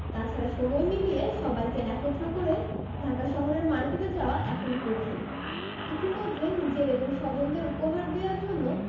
তা ছাড়া সময় মিলিয়ে সবাইকে একত্র করে ঢাকা শহরের মার্কেটে যাওয়া এখন কঠিন ইতিমধ্যে নিজের এবং স্বজনদের উপহার দেওয়ার জন্য